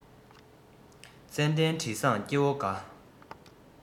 ཙན དན དྲི བཟང སྐྱེ བོ དགའ